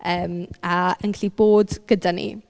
Yym a yn gallu bod gyda ni.